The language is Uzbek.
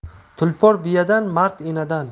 tulpor biyadan mard enadan